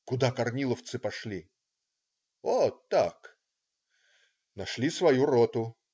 "Куда корниловцы пошли?" - "Вот так". Нашли свою роту.